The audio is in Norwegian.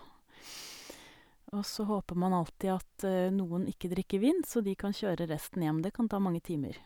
Og så håper man alltid at noen ikke drikker vin så de kan kjøre resten hjem, det kan ta mange timer.